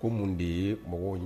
Ko mun de ye mɔgɔw ye